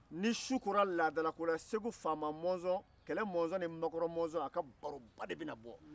ni su kora laadalako la segu faama mɔnzɔn kɛlɛ mɔnzɔn ni makɔrɔ mɔnzɔn a ka baroba de be na bɔ